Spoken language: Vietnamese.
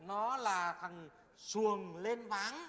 nó là thằng xuồng lên váng